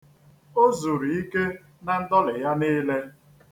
O zuru ike na ndọlị ya niile.